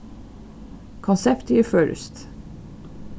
konseptið er føroyskt